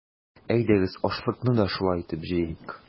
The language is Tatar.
Әйдәгез, ашлыкны да шулай итеп җыйыйк!